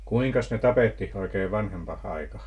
kuinkas ne tapettiin oikein vanhempaan aikaan